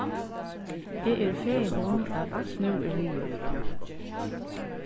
eg eri fegin um at alt nú er liðugt